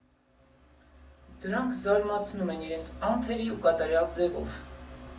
Դրանք զարմացնում են իրենց անթերի ու կատարյալ ձևով։